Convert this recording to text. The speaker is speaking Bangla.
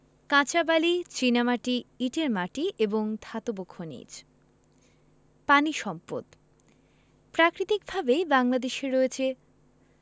কাঁচবালি চীনামাটি ইটের মাটি এবং ধাতব খনিজ পানি সম্পদঃ প্রাকৃতিকভাবেই বাংলাদেশের রয়েছে